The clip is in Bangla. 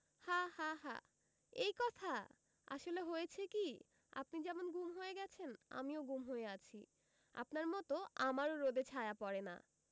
হা হা হা এই কথা আসলে হয়েছে কি আপনি যেমন গুম হয়ে গেছেন আমিও গুম হয়ে আছি আপনার মতো আমারও রোদে ছায়া পড়ে না